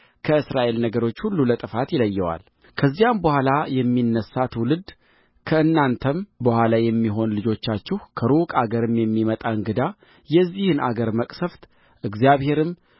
ከእስራኤል ነገዶች ሁሉ ለጥፋት ይለየዋል ከዚያም በኋላ የሚነሣ ትውልድ ከእናንተም በኋላ የሚሆኑ ልጆቻችሁ ከሩቅ አገርም የሚመጣ እንግዳ የዚህን አገር መቅሠፍት እግዚአብሔርም